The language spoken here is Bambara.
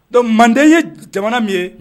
Don manden ye jamana min ye